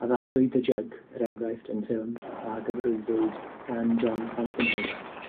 Addaswyd Y Jug er enghraifft, yn ffilm a gyfarwyddwyd gan John Frankynheymar.